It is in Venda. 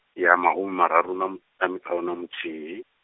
ya mahumimararu nam-, na miṱanu na muthihi.